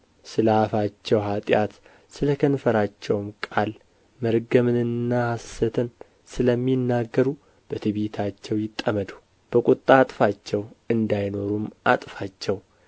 ስለ አፋቸው ኃጢአት ስለ ከንፈራቸውም ቃል መርገምንና ሐሰትን ስለሚናገሩ በትዕቢታቸው ይጠመዱ በቍጣ አጥፋቸው እንዳይኖሩም አጥፋቸው